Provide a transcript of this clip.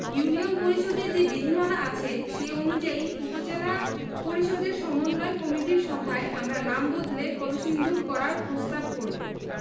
union পরিষদের যে বিধিমালা আছে সে অনুযায়ী উপজেলা পরিষদের সমন্বয় কমিটির সভায় আমরা নাম বদলে কলসিন্দুর করার প্রস্তাব করব